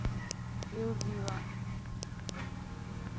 il divo